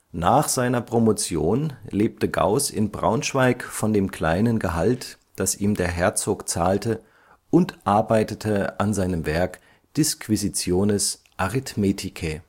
Nach seiner Promotion lebte Gauß in Braunschweig von dem kleinen Gehalt, das ihm der Herzog zahlte, und arbeitete an seinem Werk Disquisitiones Arithmeticae